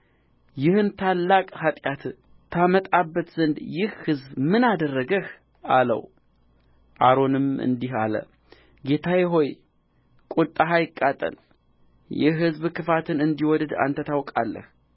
ይህን ታላቅ ኃጢአት ታመጣበት ዘንድ ይህ ሕዝብ ምን አደረገህ አለው አሮንም እንዲህ አለ ጌታዬ ሆይ ቍጣህ አይቃጠል ይህ ሕዝብ ክፋትን እንዲወድድ አንተ ታውቃለህ